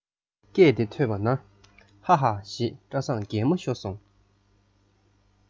སྐད དེ ཐོས པ ན ཧ ཧ ཞེས བཀྲ བཟང གད མོ ཤོར སོང